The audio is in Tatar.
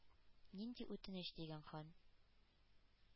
— нинди үтенеч?— дигән хан.